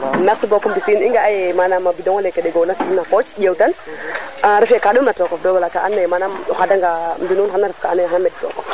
merci beaucoup Mbisine i nga aye manam bindo leke ɗegona fi ina kooc a refe ka ɗomna tokof de wala ka and naye manam o xada nga mbinun xana ref lka ando naye xana meɗ fo wo